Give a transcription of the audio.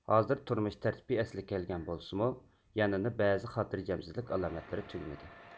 ھازىر تۇرمۇش تەرتىپى ئەسلىگە كەلگەن بولسىمۇ يەنە بەزى خاتىرجەمسىزلىك ئالامەتلىرى تۈگىمىدى